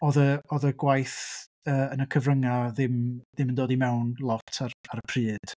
Oedd y oedd y gwaith yy yn y cyfryngau ddim ddim yn dod i mewn lot ar ar y pryd.